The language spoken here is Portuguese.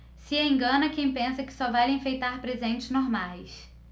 se engana quem pensa que só vale enfeitar presentes normais